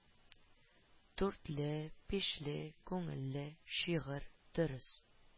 «дүрт»ле («биш»ле), күңелле, шигырь, дөрес,